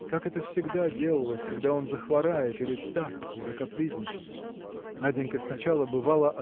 как это всегда делалось, когда он захворает или так, закапризничает. Наденька сначала бывало